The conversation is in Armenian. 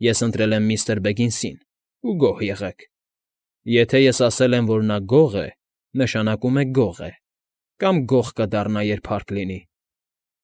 Ես ընտրել եմ միստր Բեգինսին, ու գոհ եղեք։ Եթե ես ասել եմ, որ նա գող է՝ նշանակում է գող է, կամ գող կդառնա, երբ հարկ լինի։